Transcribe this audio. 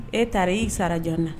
E taara ii sara jan na